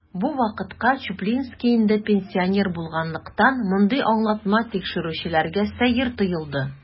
Бу вакытка Чуплинский инде пенсионер булганлыктан, мондый аңлатма тикшерүчеләргә сәер тоелды.